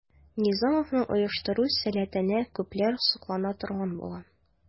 Низамовның оештыру сәләтенә күпләр соклана торган була.